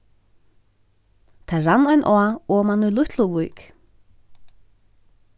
tað rann ein á oman í lítluvík